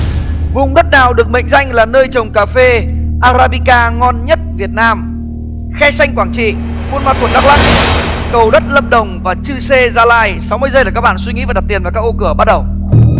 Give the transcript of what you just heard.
vùng đất nào được mệnh danh là nơi trồng cà phê a ra đi ca ngon nhất việt nam khe sanh quảng trị buôn ma thuột đắc lắc cầu đất lâm đồng và chư sê gia lai sáu mươi giây để các bạn suy nghĩ và đặt tiền vào các ô cửa bắt đầu